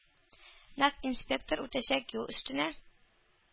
Нәкъ инспектор үтәчәк юл өстенә